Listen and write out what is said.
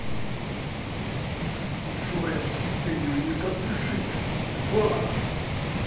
джой обсуждению не подлежит два